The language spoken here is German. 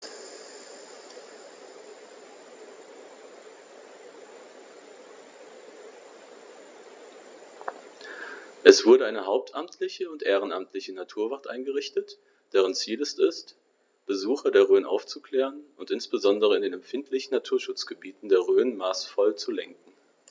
Es wurde eine hauptamtliche und ehrenamtliche Naturwacht eingerichtet, deren Ziel es ist, Besucher der Rhön aufzuklären und insbesondere in den empfindlichen Naturschutzgebieten der Rhön maßvoll zu lenken.